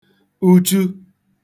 uchu